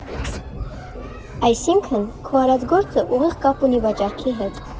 Այսինքն՝ քո արած գործն ուղիղ կապ ունի վաճառքի հետ։